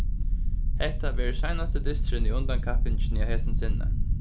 hetta verður seinasti dysturin í undankappingini á hesum sinni